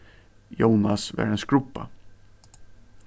jónas var ein skrubba